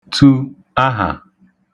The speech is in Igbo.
tu ahà